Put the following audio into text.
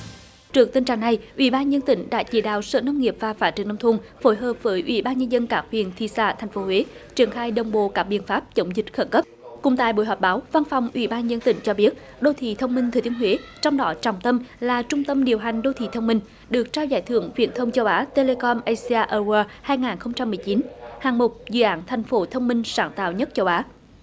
trước tình trạng này ủy ban nhân dân tỉnh đã chỉ đạo sở nông nghiệp và phát triển nông thôn phối hợp với ủy ban nhân dân các huyện thị xã thành phố huế triển khai đồng bộ các biện pháp chống dịch khẩn cấp cũng tại buổi họp báo văn phòng ủy ban nhân dân tỉnh cho biết đô thị thông minh thừa thiên huế trong đó trọng tâm là trung tâm điều hành đô thị thông minh được trao giải thưởng viễn thông châu á tê lê com ây xi a ơ gua hai ngàn không trăm mười chín hạng mục dự án thành phố thông minh sáng tạo nhất châu á